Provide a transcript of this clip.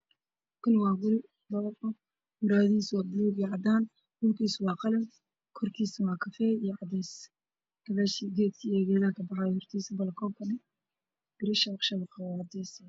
Kani waa guri dabaq ah muraayadi hiisa waa cadaan iyo buluug